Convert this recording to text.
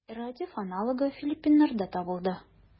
Эрратив аналогы филиппиннарда табылды.